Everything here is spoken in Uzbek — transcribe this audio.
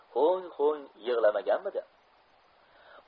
ho'ng ho'ng yig'lamaganmidi